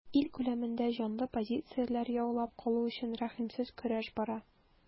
Ил күләмендә җайлы позицияләр яулап калу өчен рәхимсез көрәш бара.